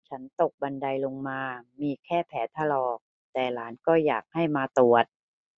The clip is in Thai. ฉันตกบันไดลงมามีแค่แผลถลอกแต่หลานก็อยากให้มาตรวจ